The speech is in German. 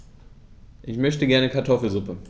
Ich möchte gerne Kartoffelsuppe.